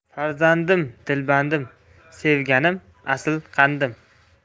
farzandim dilbandim sevganim asal qandim